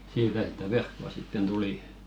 siitä sitä verkkoa sitten tuli